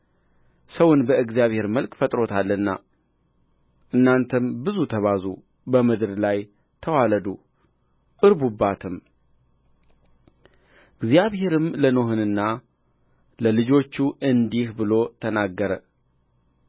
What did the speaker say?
ሰውን በእግዚአብሔር መልክ ፈጥሮታልና እናንተም ብዙ ተባዙ በምድር ላይ ተዋለዱ እርቡባትም እግዚአብሔርም ለኖኅና ለልጆቹ እንዲህ ብሎ ተናገረ